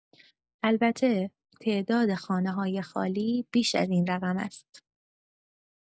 البته تعداد خانه‌های خالی بیش از این رقم است.